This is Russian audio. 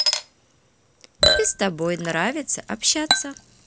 и с тобой нравится общаться